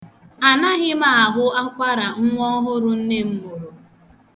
Anaghị m ahụ akwara nwa ọhụrụ nne m mụrụ.